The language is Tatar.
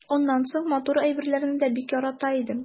Аннан соң матур әйберләрне дә бик ярата идем.